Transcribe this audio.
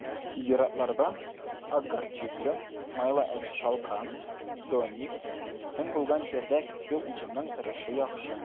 Сидератлардан (ак горчица, майлы әче шалкан, донник) соң булган җирдә көзге уҗымның торышы яхшы.